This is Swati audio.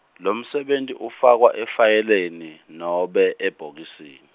lomsebenti ufakwa efayeleni, nobe, ebhokisin-.